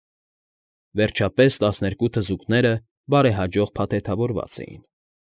Վերջապես, տասներկու թզուկները բարեհաջող փաթեթավորված էին։